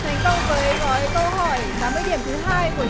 gói câu hỏi tám mươi điểm thứ hai của